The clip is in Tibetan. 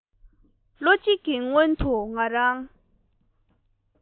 ལོ གཅིག གི སྔོན དུ ང རང